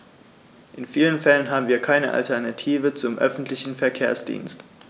In vielen Fällen haben wir keine Alternative zum öffentlichen Verkehrsdienst.